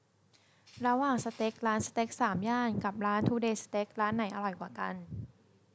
ระหว่างสเต็กร้านสเต็กสามย่านกับร้านทูเดย์สเต็กร้านไหนอร่อยกว่ากัน